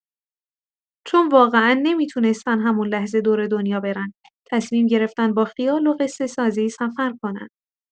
چون واقعا نمی‌تونستن همون لحظه دور دنیا برن، تصمیم گرفتن با خیال و قصه‌سازی سفر کنن.